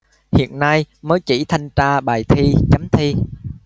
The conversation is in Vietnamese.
hiện nay mới chỉ thanh tra bài thi chấm thi